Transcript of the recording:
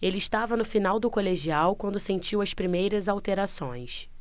ele estava no final do colegial quando sentiu as primeiras alterações